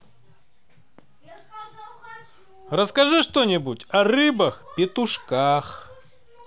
расскажи что нибудь о рыбах петушках